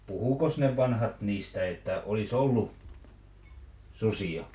puhuikos ne vanhat niistä että olisi ollut susia